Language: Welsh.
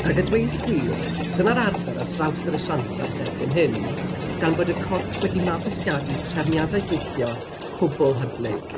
Ac â dweud y gwir, dyna'r arfer ar draws yr asiantaeth erbyn hyn, gan fod y corff wedi mabwysiadu trefniadau gweithio cwbl hyblyg.